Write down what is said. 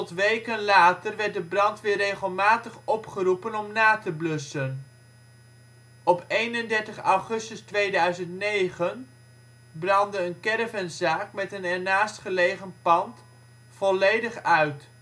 weken later werd de brandweer regelmatig opgeroepen om na te blussen. Op 31 augustus 2009 brandde een caravanzaak met een ernaast gelegen pand volledig uit